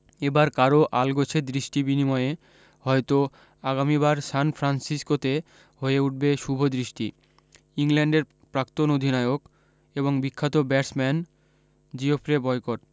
এবার কারও আলগোছে দৃষ্টি বিনিময়ৈ হয়ত আগামীবার সানফ্রান্সিসকোতে হয়ে উঠবে শুভদৃষ্টি ইংল্যান্ডের প্রাক্তন অধিনায়ক এবং বিখ্যাত ব্যাটসম্যান জিওফরে বয়কট